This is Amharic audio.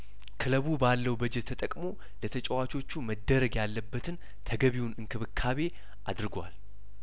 ክለቡ ባለው በጀት ተጠቅሞ ለተጨዋቾቹ መደረግ ያለበትን ተገቢውን እንክብካቤ አድርጓል